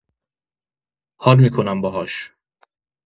حال می‌کنم باهاش